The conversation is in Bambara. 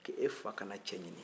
k'e fa ka na cɛ ɲinin